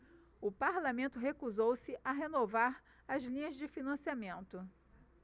o parlamento recusou-se a renovar as linhas de financiamento